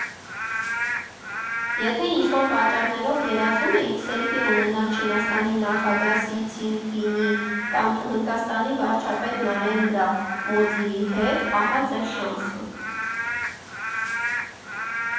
Եթե ինչ֊որ պատճառներով երազում էիք սելֆի ունենալ Չինաստանի նախագահ Սի Ցին֊Պինի կամ Հնդկաստանի վարչապետ Նարենդրա Մոդիի հետ, ահա ձեր շանսը։